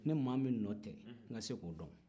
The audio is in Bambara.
ni maa min nɔ tɛ n ka se k'o dɔn